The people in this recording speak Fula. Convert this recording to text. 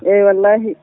eeyi wallahi